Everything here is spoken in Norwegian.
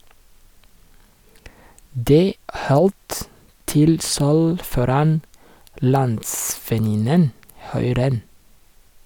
Det holdt til sølv foran landsvenninnen Hui Ren.